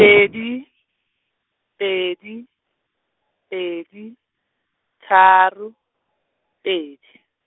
pedi, pedi, pedi, tharo, pedi.